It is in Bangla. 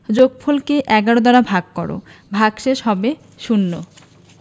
যোগফল কে ১১ দ্বারা ভাগ কর ভাগশেষ হবে শূন্য